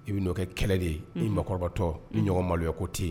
I bɛ'o kɛ kɛlɛ de ye ni makɔrɔbatɔ ni ɲɔgɔn maloyɔ ko tɛ yen